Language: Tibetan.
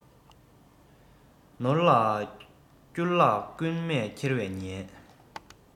ནོར ལ བསྐྱུར བརླག རྐུན མས འཁྱེར བའི ཉེན